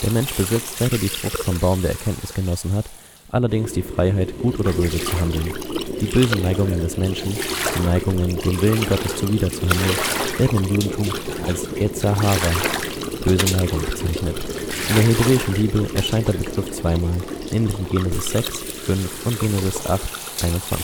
Mensch besitzt, seit er die Frucht vom Baum der Erkenntnis genossen hat, allerdings die Freiheit, gut oder böse zu handeln. Die bösen Neigungen des Menschen ‒ die Neigungen, dem Willen Gottes zuwider zu handeln ‒ werden im Judentum als Yetzer hara (hebräisch: יצר הרע, „ böse Neigung “) bezeichnet. In der hebräischen Bibel erscheint der Begriff zweimal, nämlich in Genesis 6,5 und Genesis 8,21